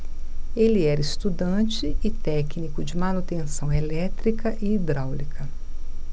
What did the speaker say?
ele era estudante e técnico de manutenção elétrica e hidráulica